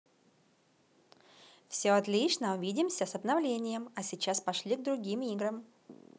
все отлично увидимся с обновлением а сейчас пошли к другим играм